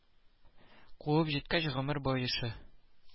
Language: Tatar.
Куып җиткәч гомер баешы